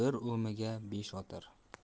bir o'miga besh oshar